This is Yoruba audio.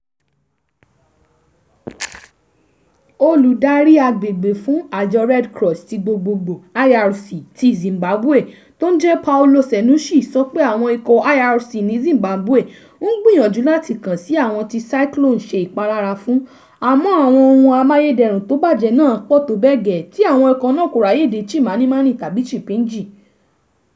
Olùdarí agbègbè fún International Red Cross (IRC) ti Zimbabwe tó ń jẹ́ Paolo Cernuschi sọ pé àwọn ikọ̀ IRC ní Zimbabwe ń gbìyànjú láti kàn sí àwọn tí cyclone ṣe ìpalára fún àmọ́ àwọn ohun amáyedẹrùn tó bàjẹ́ náà pọ̀ tó bẹ́ẹ̀ gẹ́ tí àwọn ikọ̀ nàá kò ráyé dé Chimanimani tàbí Chipinge.